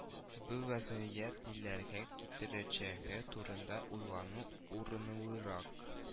Бу вәзгыять ниләргә китерәчәге турында уйлану урынлырак